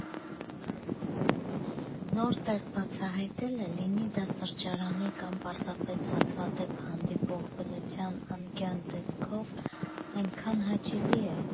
Նոր տեղ բացահայտելը, լինի դա սրճարանի կամ պարզապես հազվադեպ հանդիպող բնության անկյան տեսքով, այնքան հաճելի է։